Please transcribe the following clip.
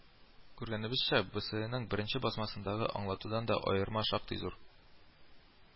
Күргәнебезчә, БэСэЭның беренче басмасындагы аңлатудан да аерма шактый зур